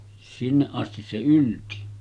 sinne asti se ylsi